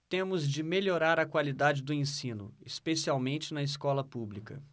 temos de melhorar a qualidade do ensino especialmente na escola pública